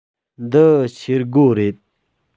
འདི ཤེལ སྒོ རེད